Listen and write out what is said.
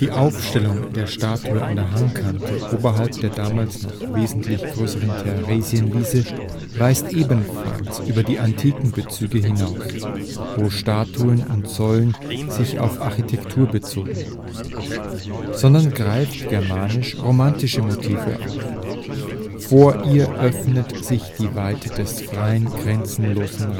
Aufstellung der Statue an der Hangkante oberhalb der damals noch wesentlich größeren Theresienwiese weist ebenfalls über die antiken Bezüge hinaus, wo Statuen und Säulen sich auf Architektur bezogen, sondern greift germanisch, romantische Motive auf: „ Vor ihr öffnet sich die Weite des freien, grenzenlosen